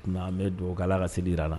N'an bɛ duwɔwu kɛ Ala ka seli jir'an na